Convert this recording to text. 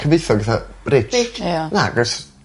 Cyfoethog fatha rich? Rich. Ia. Nagos.